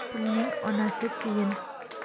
pulning onasi tiyin